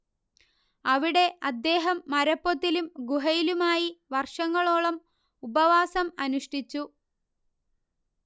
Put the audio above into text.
അവിടെ അദ്ദേഹം മരപ്പൊത്തിലും ഗുഹയിലുമായി വർഷങ്ങളോളം ഉപവാസം അനുഷ്ഠിച്ചു